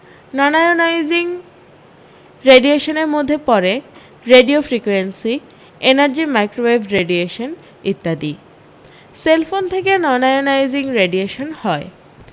non-ionising রেডিয়েশনের মধ্যে পড়ে রেডিওফ্রিকোয়েন্সি এনার্জি মাইক্রোওয়েভ রেডিয়েশন ইত্যাদি সেলফোন থেকে ননায়োনাইজিং রেডিয়েশন হয়